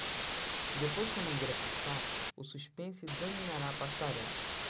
depois que a mangueira passar o suspense dominará a passarela